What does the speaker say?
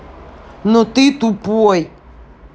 но ты тупой